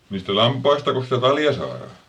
niistä lampaistakos sitä talia saadaan